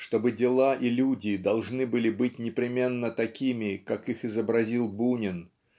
Чтобы дела и люди должны были быть непременно такими как их изобразил Бунин